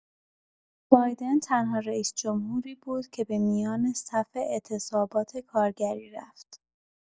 بایدن تنها رئیس‌جمهوری بود که به میان صف اعتصابات کارگری رفت.